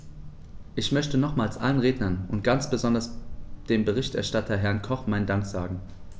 Ich möchte nochmals allen Rednern und ganz besonders dem Berichterstatter, Herrn Koch, meinen Dank sagen.